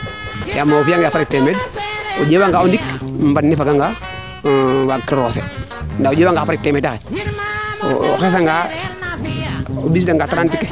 yaam o fiya ngan parig temeed o njowa nga o ndik mban ne faga nga waag kiro roose nda o njewanga xa parig temeedaxe o xesa nga o mbisiida nga trente ke